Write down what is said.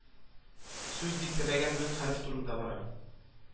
Сүз дистәләгән мең хәреф турында бара